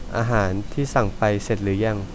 อาหารที่สั่งไปเสร็จหรือยัง